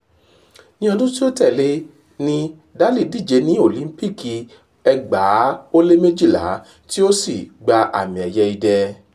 Ní ọdún tí ó tẹ̀lé e ní Daley díje ní Òlìńpìkì 2012 tí ó ṣì gba àmì ẹ̀yẹ idẹ.